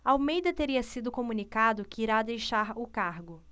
almeida teria sido comunicado que irá deixar o cargo